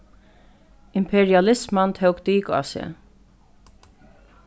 imperialisman tók dik á seg